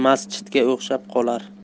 masjidga o'xshab qolar